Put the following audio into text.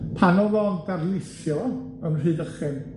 Pan o'dd o'n darlithio yn Rhydychen,